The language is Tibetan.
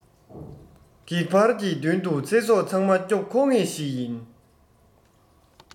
བགེག བར གྱི མདུན དུ ཚེ སྲོག ཚང མ སྐྱོབ མཁོ ངེས ཞིག ཡིན